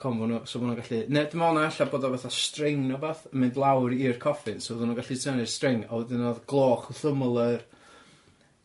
'Cofn bo' nw- so bo' nhw'n gallu... Ne' dw mewl na ella bod o fatha string ne' wbath yn mynd lawr i'r coffins so fydden nhw'n gallu tynnu'r string a wedyn o'dd gloch w'th ymyl yr